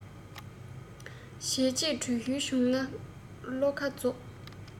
བྱས རྗེས དྲུད ཤུལ བྱུང ན བློ ཁ རྫོགས